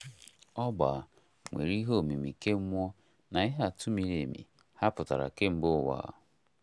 Ọgba nwere ihe omimi kemmụọ na ihe atụ miri emi ha pụtara kemgbe ụwa.